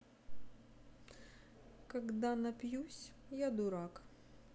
когда напьюсь я дурак